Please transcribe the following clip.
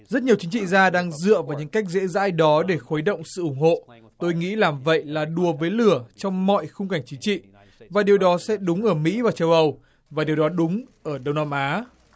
rất nhiều chính trị gia đang dựa vào những cách dễ dãi đó để khuấy động sự ủng hộ tôi nghĩ làm vậy là đùa với lửa trong mọi khung cảnh chính trị và điều đó sẽ đúng ở mỹ và châu âu và điều đó đúng ở đông nam á